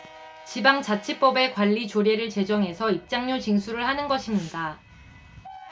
지방자치법의 관리 조례를 제정해서 입장료 징수를 하는 것입니다